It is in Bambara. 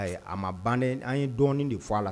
Ayiwa a ma ban an ye dɔɔnin de fɔ a la